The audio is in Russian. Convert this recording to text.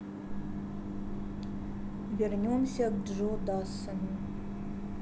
вернемся к джо дассену